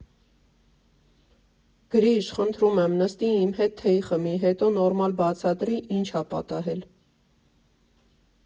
Գրիշ, խնդրում եմ, նստի իմ հետ թեյ խմի, հետո նորմալ բացատրի՝ ինչ ա պատահել։